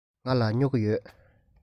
ང ལ སྨྱུ གུ ཡོད